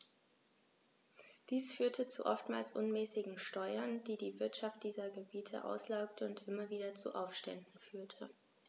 Dies führte zu oftmals unmäßigen Steuern, die die Wirtschaft dieser Gebiete auslaugte und immer wieder zu Aufständen führte.